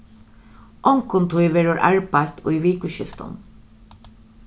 onkuntíð verður arbeitt í vikuskiftum